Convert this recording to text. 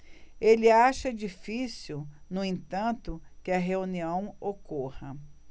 ele acha difícil no entanto que a reunião ocorra